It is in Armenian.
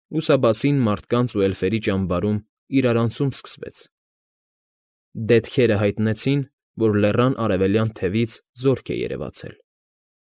Լուսաբացին մարդկանց ու էլֆերի ճամբարում իրարանցում սկսվեց. դետքերը հայտնեցին, որ լեռան արևելյան թևից զորք է երևացել։